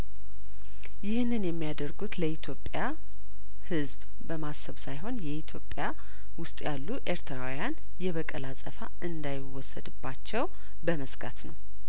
ይህንን የሚያደርጉት ለኢትዮጵያ ህዝብ በማሰብ ሳይሆን የኢትዮጵያ ውስጥ ያሉ ኤርትራውያን የበቀል አጸፋ እንዳይወሰድባቸው በመስጋት ነው